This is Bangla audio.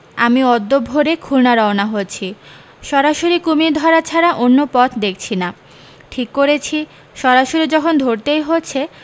আমি অদ্য ভোরে খুলনা রওনা হচ্ছি সরাসরি কুমীর ধরা ছাড়া অন্য পথ দেখছি না ঠিক করেছি সরাসরি যখন ধরতেই হচ্ছে